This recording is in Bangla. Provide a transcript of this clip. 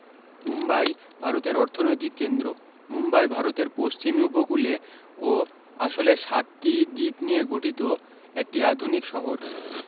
মুম্বাই ভারতের অর্থনৈতিক কেন্দ্র মুম্বাই ভারতের পশ্চিমী উপকূলে ও আসলে সাত টি দীপ নিয়ে গঠিত একটি আধুনিক শহর